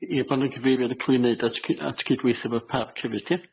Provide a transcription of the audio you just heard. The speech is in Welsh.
Ia, bo' 'ne gyfeiriad yn ca'l 'i neud at cy- at gydweithio efo'r Parc hefyd, ia?